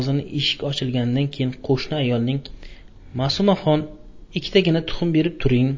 eshik ochilgandan keyin qo'shni ayolning ma'sumaxon ikkitagina tuxum berib turing